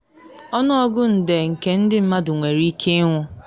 Ọnụọgụ nde nke ndị mmadụ nwere ike ịnwụ.